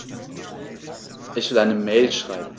Ich will eine Mail schreiben.